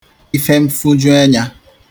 ife mfujuenyā